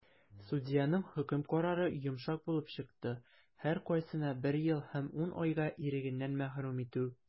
Судьяның хөкем карары йомшак булып чыкты - һәркайсына бер ел һәм 10 айга ирегеннән мәхрүм итү.